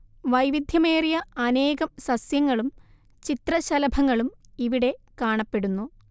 വൈവിദ്ധ്യമേറിയ അനേകം സസ്യങ്ങളും ചിത്രശലഭങ്ങളും ഇവിടെ കാണപ്പെടുന്നു